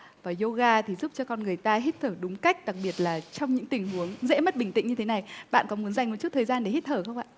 và dô ga thì giúp cho con người ta hít thở đúng cách đặc biệt là trong những tình huống dễ mất bình tĩnh như thế này bạn có muốn dành một chút thời gian để hít thở không ạ